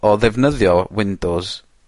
... o ddefnyddio Windows